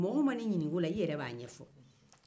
mɔgɔw mana i ɲininka o la i yɛrɛ b'a ɲɛfɔ